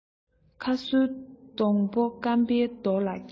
ཁ སུར སྡོང པོ སྐམ པོའི རྡོ ལ སྐྱེས